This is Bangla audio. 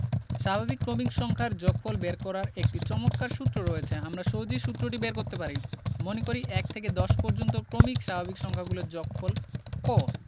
স্বাভাবিক ক্রমিক সংখ্যার যোগফল বের করার একটি চমৎকার সূত্র রয়েছে আমরা সহজেই সুত্রটি বের করতে পারি মনে করি ১ থেকে ১০ পর্যন্ত ক্রমিক স্বাভাবিক সংখ্যাগুলোর যোগফল ক